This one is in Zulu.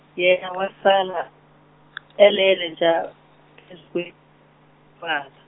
yena wasala, elele ja, phezu kwedwala.